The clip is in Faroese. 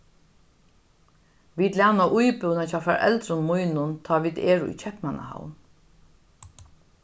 vit læna íbúðina hjá foreldrum mínum tá vit eru í keypmannahavn